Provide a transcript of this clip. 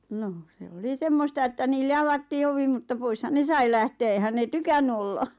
no se oli semmoista että niille avattiin ovi mutta poishan ne sai lähteä eihän ne tykännyt olla